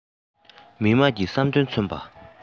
མི དམངས ཀྱི བསམ འདུན མཚོན པ